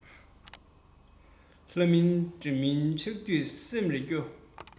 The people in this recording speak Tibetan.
ལྷ མིན འདྲེ མིན ཆགས དུས སེམས རེ སྐྱོ